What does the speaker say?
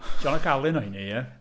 John ac Alun oedd rheiny ie?